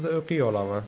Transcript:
tilida o'qiy olaman